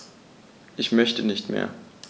Ich möchte nicht mehr.